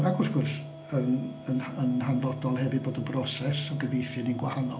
Ac wrth gwrs yn yn hanfodol hefyd bod y broses o gyfieithu'n un gwahanol.